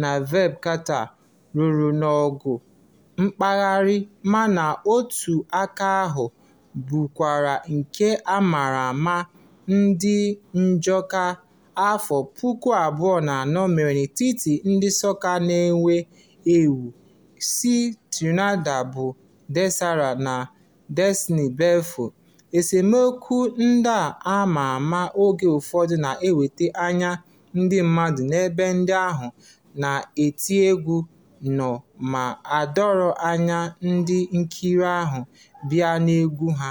na Vybz Kartel, ruo n'ọgụ kempaghara mana n’otu aka ahụ bụrụkwa nke a mara ama dị njọ nke 2004 mere n’etiti ndị sọka na-ewu ewu si Trinidad bụ Destra na Denise Belfon, esemokwu ndị a ma ama oge ụfọdụ na-eweta anya ndị mmadụ n’ebe ndị ahụ na-eti egwu nọ ma na-adọrọ anya ndị nkiri ọhụrụ bịa n’egwu ha.